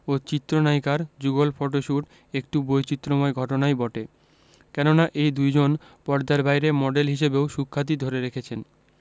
ও চিত্রনায়িকার যুগল ফটোশুট একটু বৈচিত্রময় ঘটনাই বটে কেননা এই দুইজন পর্দার বাইরে মডেল হিসেবেও সুখ্যাতি ধরে রেখেছেন